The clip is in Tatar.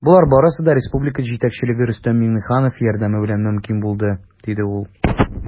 Болар барысы да республика җитәкчелеге, Рөстәм Миңнеханов, ярдәме белән мөмкин булды, - диде ул.